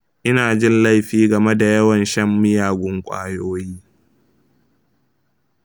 ina jin laifi game da yawan shan miyagun kwayoyi